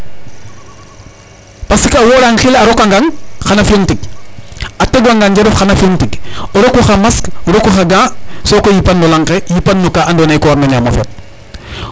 Parce que a wora xile a rokangang xan a fi'ong tig a tegwanga ndeerof xan a fi'ong tig o roku xa masque o roku xa gant sokoy yipan no lanq ke yipan no ka andoona yee ko warno ñaam o feet.